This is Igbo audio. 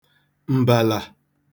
m̀bàlà